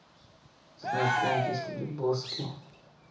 знакомьтесь лебовски